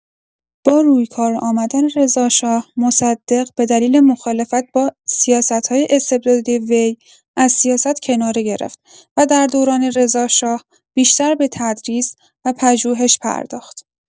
با روی کار آمدن رضا شاه، مصدق به دلیل مخالفت با سیاست‌های استبدادی وی از سیاست کناره گرفت و در دوران رضاشاه بیشتر به تدریس و پژوهش پرداخت.